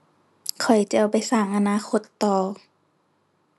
ข้อยจะเอาไปสร้างอนาคตต่อ